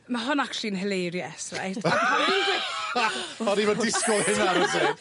Ma' hwn actually'n hilarious reit? O'n i'm yn disgwl hynna rywsut.